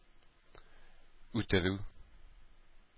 Үтерү